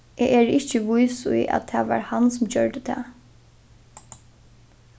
eg eri ikki vís í at tað var hann sum gjørdi tað